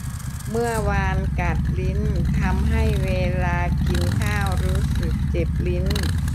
เมื่อวานกัดลิ้นทำให้เวลากินข้าวรู้สึกเจ็บลิ้น